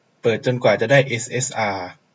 เปิดจนกว่าจะได้เอสเอสอา